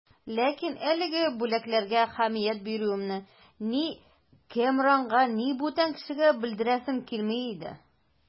Ләкин әлеге бүләкләргә әһәмият бирүемне ни Кәмранга, ни бүтән кешегә белдерәсем килми иде.